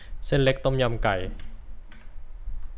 เส้นเล็กต้มยำไก่